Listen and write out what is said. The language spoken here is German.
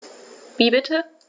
Wie bitte?